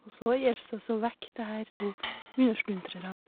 Og så gjelder det å så vekke det her to unnasluntrerne.